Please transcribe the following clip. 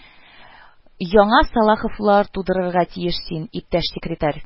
Яңа Салаховлар тудырырга тиеш син, иптәш секретарь